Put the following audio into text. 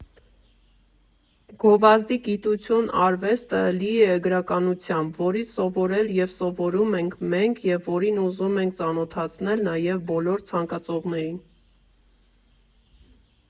«Գովազդի գիտություն֊արվեստը լի է գրականությամբ, որից սովորել և սովորում ենք մենք և որին ուզում ենք ծանոթացնել նաև բոլոր ցանկացողներին։